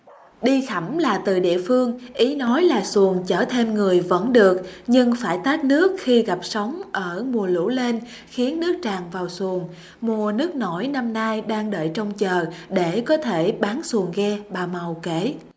đi khẳm là từ địa phương ý nói là xuồng chở thêm người vẫn được nhưng phải tát nước khi gặp sóng ở mùa lũ lên khiến nước tràn vào xuồng mùa nước nổi năm nay đang đợi trông chờ để có thể bán xuồng ghe bà màu kể